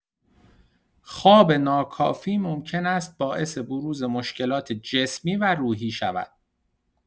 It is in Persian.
خواب ناکافی ممکن است باعث بروز مشکلات جسمی و روحی شود.